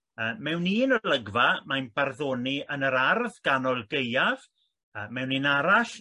Yy mewn un olygfa mae'n barddoni yn yr ardd ganol gaeaf yy mewn un arall